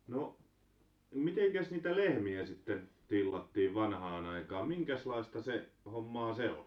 no mitenkäs niitä lehmiä sitten tillattiin vanhaan aikaan minkäslaista se hommaa se oli